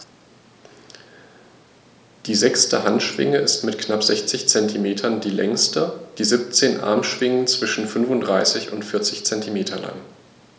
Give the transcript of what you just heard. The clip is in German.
Die sechste Handschwinge ist mit knapp 60 cm die längste. Die 17 Armschwingen sind zwischen 35 und 40 cm lang.